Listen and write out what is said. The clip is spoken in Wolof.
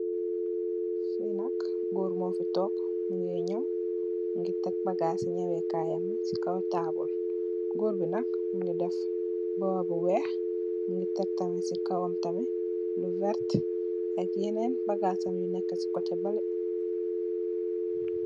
Fi nak goor mofi tog mogi nyaw mongi tek bagassi nyawex kai yam mung si kaw tabul goor bi nak mongi def mbuba bu weex mongi tek tamit si kawam tamit lu vertax ak yenen bagass sam yu neka si kote belex.